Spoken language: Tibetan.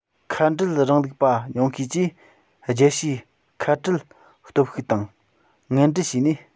ཁ བྲལ རིང ལུགས པ ཉུང ཤས ཀྱིས རྒྱལ ཕྱིའི ཁ བྲལ སྟོབས ཤུགས དང ངན འབྲེལ བྱས ནས